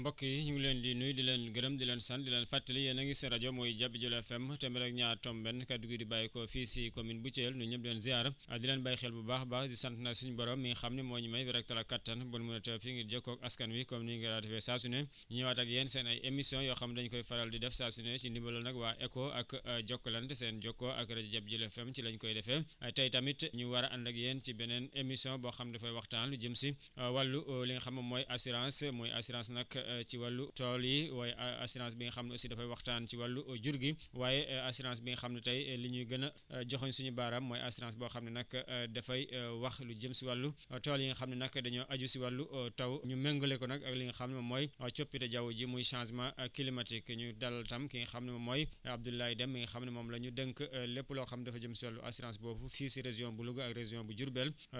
mbokk yi ñu ngi leen di nuyu di leen gërëm di leen sant di leen fàttali yéen a ngi seen rajo muy Jabi Jula FM téeméer ak ñaar tomb benn kaddu gi di bàyyeekoo fii si commune bu Thièl nuyu ñëpp di leen ziar di leen bàyyi xel bu baax a baax di sant nag suñu borom mi nga xam ne moo ñu may wér ak kattan ba ñu mën a toog fii ngir jokkoo ak askan wi comme ni ñu ko daan defee saa su ne énëwaat ak yéen seen ay émissions yoo xam dañ ko faral di def saa su ne si ndimbalu waa ECHO ak Jokalante seen jokkoo ak rajo Jabi Jula FM ci lañ koy defee tey tamit ñu war a ànd ak yéen ci beneen émission boo xam dafay waxtaan lu jëm si wàllu li nga xam moom mooy assurance muy assurance nag ci wàllu tool yi waaye assurance bi nga xam aussi dafay waxtaan ci wàllu jur gi waaye assurance bi nga xam ne tey li ñuy gën a joxoñ suñuy baaraam mooy assurance boo xamù ne ni nag dafay wax lu jëm si wàllu tool yi nga xam ne nag dañoo aju si wàllu taw ñu méngale ko nag ak li nga xam ne moom mooy coppite jaww ji muy changement climatique ñuy dalal i tam ki nga xam ne moom mooy Abdoulaye Deme mi nga xam ne moom la ñu dénk lépp loo xam dafa jëm si wàllu assurance boobu fii si région bu Louga ak région bu Diourbel